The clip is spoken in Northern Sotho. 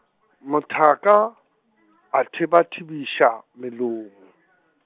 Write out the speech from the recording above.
mothaka , a thebathebiša, melomo.